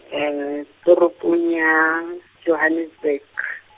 toropong ya, Johannesburg.